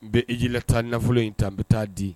N bɛ ejilataa nafolo in tan, n bɛ t'a di